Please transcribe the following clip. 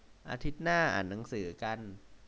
อาทิตย์หน้าอ่านหนังสือกัน